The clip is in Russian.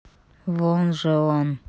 вон же он